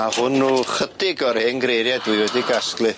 A hwnnw chydig o'r hen greirie dwi wedi gasglu.